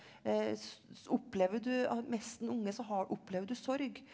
opplever du å miste en unge så opplever du sorg.